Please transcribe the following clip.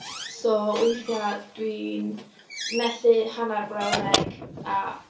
So weithiau dwi'n methu hanner brawddeg a...